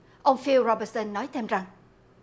ông phiêu rô bo sơn nói thêm rằng